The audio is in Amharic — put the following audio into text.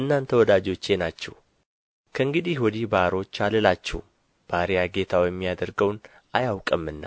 እናንተ ወዳጆቼ ናችሁ ከእንግዲህ ወዲህ ባሮች አልላችሁም ባርያ ጌታው የሚያደርገውን አያውቅምና